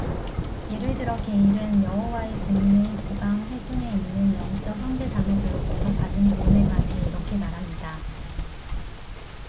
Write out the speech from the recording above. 예를 들어 게일은 여호와의 증인의 지방 회중에 있는 영적 형제 자매들로부터 받은 도움에 관해 이렇게 말합니다